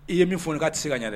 I ye min fɔ k'a tɛ se ka ɲɛ dɛ